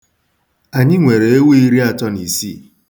Anyị nwere ewu iriatọ na isii.